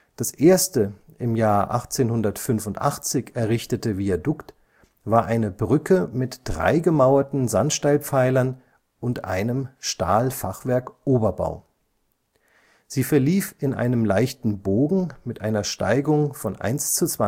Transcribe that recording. Das erste 1885 errichtete Viadukt war eine Brücke mit drei gemauerten Sandsteinpfeilern und einem Stahlfachwerkoberbau. Sie verlief in einem leichten Bogen mit einer Steigung von 1:20. Da